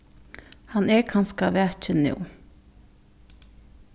hann er kanska vakin nú